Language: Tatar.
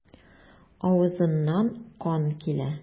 Авызыннан кан килә.